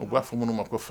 U b'a fɔ ko ma ko